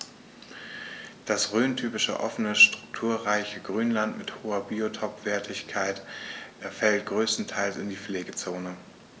Das rhöntypische offene, strukturreiche Grünland mit hoher Biotopwertigkeit fällt größtenteils in die Pflegezone.